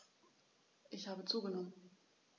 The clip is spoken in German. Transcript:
Ich habe zugenommen.